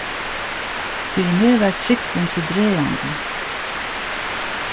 fyri meg var trúgvin so dragandi